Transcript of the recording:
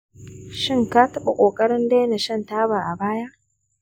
shin ka taɓa ƙoƙarin daina shan taba a baya?